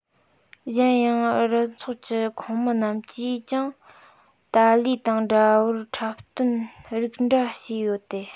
གཞན ཡང རུ ཚོགས ཀྱི ཁོངས མི རྣམས ཀྱིས ཀྱང ཏཱ ལའི དང འདྲ བར འཁྲབ སྟོན རིགས འདྲ བྱས ཡོད དེ